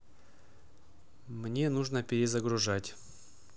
мне нужно перезагружать